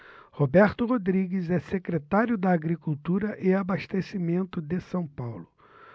roberto rodrigues é secretário da agricultura e abastecimento de são paulo